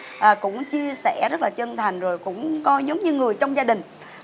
cũng chia sẻ rất chân thành rồi cũng coi giống như người trong gia đình